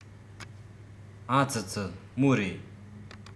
ཨ ཙི ཙི མོ རེ